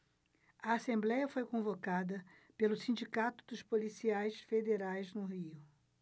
a assembléia foi convocada pelo sindicato dos policiais federais no rio